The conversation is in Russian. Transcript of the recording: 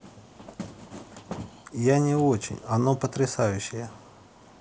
я не очень оно потрясающее